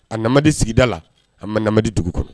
A namadi sigida la, a namadi dugu kɔnɔ.